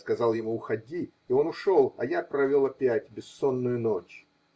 я сказал ему: "Уходи", и он ушел, а я провел опять бессонную ночь.